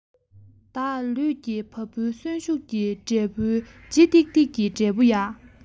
བདག ལུས ཀྱི བ སྤུའི གསོན ཤུགས ཀྱི འབྲས བུའི ལྗིད ཏིག ཏིག གི འབྲས བུ ཡ